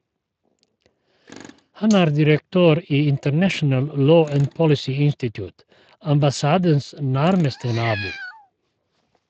Han er direktør i "International law and policy institute", ambassadens nærmeste nabo.